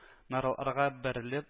Наратларга бәрелеп